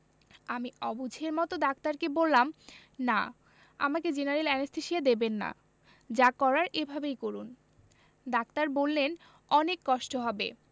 আমি অবুঝের মতো ডাক্তারকে বললাম না আমাকে জেনারেল অ্যানেসথেসিয়া দেবেন না যা করার এভাবেই করুন ডাক্তার বললেন অনেক কষ্ট হবে